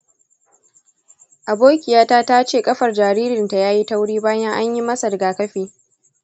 abokiyata ta ce ƙafar jaririnta ya yi tauri bayan an yi masa rigakafi.